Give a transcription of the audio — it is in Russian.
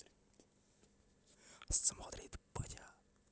смотрит батя